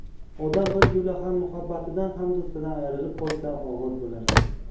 odam bir yo'la ham muhabbatidan ham do'stidan ayrilib qolsa og'ir bo'larkan